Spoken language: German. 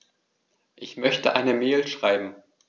Ich möchte eine Mail schreiben.